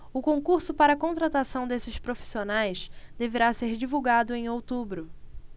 o concurso para contratação desses profissionais deverá ser divulgado em outubro